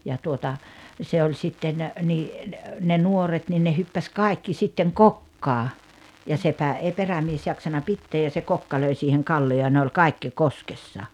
ja tuota se oli sitten niin ne ne nuoret niin ne hyppäsi kaikki sitten kokkaan ja sepä ei perämies jaksanut pitää ja se kokka löi siihen kallioon ja ne oli kaikki koskessa